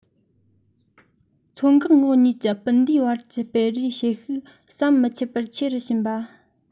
མཚོ འགག ངོགས གཉིས ཀྱི སྤུན ཟླའི བར གྱི སྤེལ རེས བྱེད ཤུགས ཟམ མི འཆད པར ཆེ རུ ཕྱིན པ